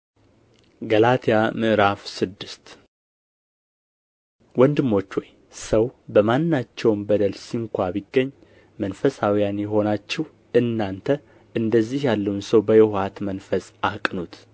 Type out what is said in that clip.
ገላትያ ምዕራፍ ስድስት ወንድሞች ሆይ ሰው በማናቸውም በደል ስንኳ ቢገኝ መንፈሳውያን የሆናችሁ እናንተ እንደዚህ ያለውን ሰው በየውሃት መንፈስ አቅኑት